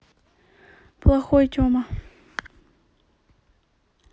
плохой тема